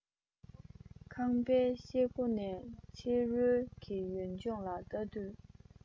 ཁང པའི ཤེལ སྒོ ནས ཕྱི རོལ གྱི ཡུལ ལྗོངས ལ བལྟ དུས